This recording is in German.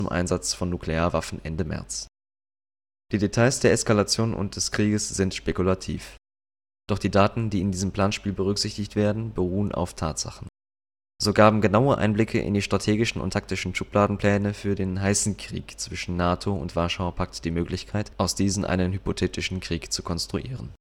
Einsatz von Nuklearwaffen Ende März. Die Details der Eskalation und des Krieges sind spekulativ. Doch die Daten, die in diesem Planspiel berücksichtigt werden, beruhen auf Tatsachen. So gaben genaue Einblicke in die strategischen und taktischen Schubladenpläne für den „ heißen Krieg “zwischen NATO und Warschauer Pakt die Möglichkeit, aus diesen einen hypothetischen Krieg zu konstruieren